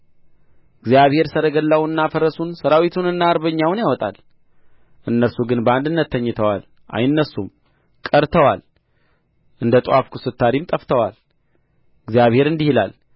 እግዚአብሔር ሰረገላውንና ፈረሱን ሠራዊቱንና አርበኛውን ያወጣል እነርሱ ግን በአንድነት ተኝተዋል አይነሡም ቀርተዋል እንደ ጥዋፍ ኩስታሪም ጠፍተዋል እግዚአብሔር እንዲህ ይላል